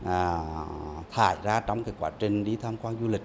à họ thải ra trong cái quá trình đi tham quan du lịch